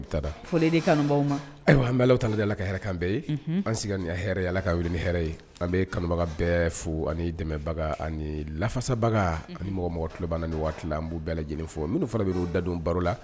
An ala ni an kanubaga bɛɛ fo ani dɛmɛbaga ani lafasabaga ani mɔgɔ mɔgɔ kubana waati an b'u bɛɛ lajɛlen fɔ minnu fana bɛ'o dadon baro la